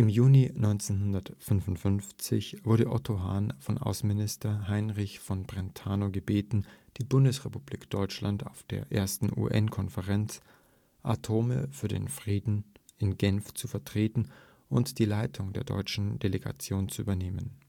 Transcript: Juni 1955 wurde Otto Hahn von Außenminister Heinrich von Brentano gebeten, die Bundesrepublik Deutschland auf der ersten UN-Konferenz ' Atome für den Frieden ' in Genf zu vertreten und die Leitung der deutschen Delegation zu übernehmen